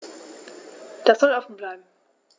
Das soll offen bleiben.